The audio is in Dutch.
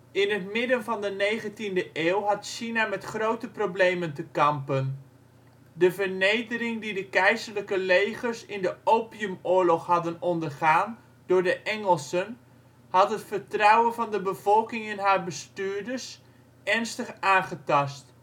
In het midden van de 19e eeuw had China met grote problemen te kampen. De vernedering die de keizerlijke legers in de Opiumoorlog hadden ondergaan door de Engelsen had het vertrouwen van de bevolking in haar bestuurders ernstig aangetast